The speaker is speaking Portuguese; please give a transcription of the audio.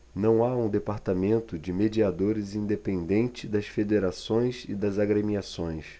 não há um departamento de mediadores independente das federações e das agremiações